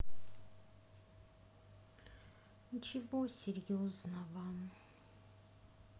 ничего серьезного